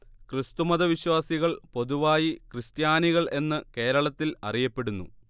ക്രിസ്തുമത വിശ്വാസികൾ പൊതുവായി ക്രിസ്ത്യാനികൾ എന്ന് കേരളത്തിൽ അറിയപ്പെടുന്നു